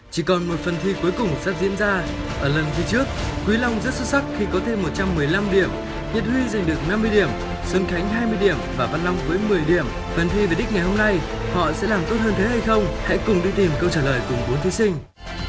chỉ còn một phần thi cuối cùng sắp diễn ra ở lần thi trước quý lòng rất xuất sắc khi có thêm một trăm mười lăm điểm nhật huy giành được năm mươi điểm xuân khánh hai mươi điểm và văn long với mười điểm phần thi về đích ngày hôm nay họ sẽ làm tốt hơn thế hay không hãy cùng đi tìm câu trả lời cùng bốn thí sinh